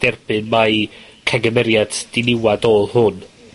derbyn mai camgymeriad diniwad odd hwn.